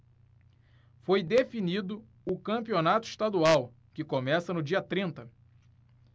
foi definido o campeonato estadual que começa no dia trinta